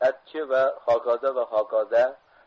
bidatchi va hokazo va hokazo